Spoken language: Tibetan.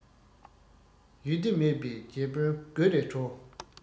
ཡུལ སྡེ མེད པའི རྗེ དཔོན དགོད རེ བྲོ